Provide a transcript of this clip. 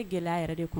ATɛ gɛlɛya yɛrɛ de kun